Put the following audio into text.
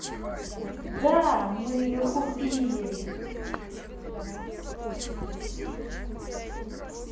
dan мы ее купили